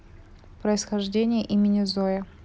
происхождение имени зоя